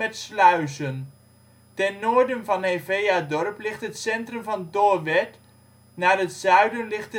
sluizen. Ten noorden van Heveadorp ligt het centrum van Doorwerth, naar het zuiden ligt